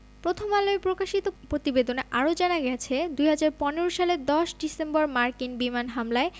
প্রথম আলোয় প্রকাশিত প্রতিবেদনে আরও জানা গেছে ২০১৫ সালের ১০ ডিসেম্বর মার্কিন বিমান হামলায়